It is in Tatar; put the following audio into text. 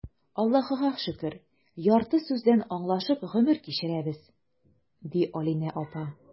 Аллаһыга шөкер, ярты сүздән аңлашып гомер кичерәбез,— ди Алинә апа.